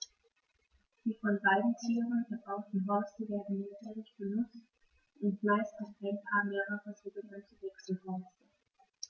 Die von beiden Tieren erbauten Horste werden mehrjährig benutzt, und meist hat ein Paar mehrere sogenannte Wechselhorste.